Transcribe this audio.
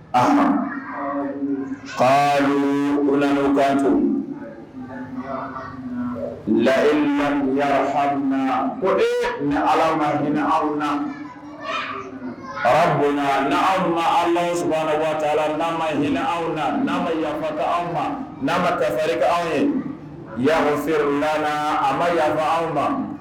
A falan gan layi ɲa hauna ko e ni ala ma hinɛ aw na ɔ bonya n ni aw ma alas waati taara n ma ɲɛnainɛ aw na n'a ma yafa aw ma n'an mafe aw ye ya sera a ma yaa aw ma